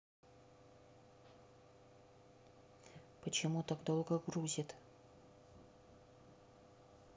почему так долго грузит